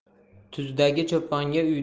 tuzdagi cho'ponga uydagi